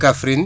Kaffrine